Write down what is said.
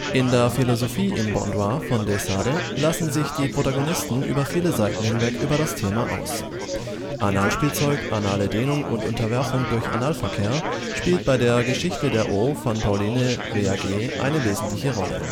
In der Philosophie im Boudoir von de Sade lassen sich die Protagonisten über viele Seiten hinweg über das Thema aus. Analspielzeug, anale Dehnung und Unterwerfung durch Analverkehr spielt bei Geschichte der O von Pauline Reage eine wesentliche Rolle